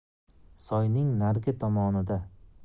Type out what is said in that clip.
soyning narigi tomonida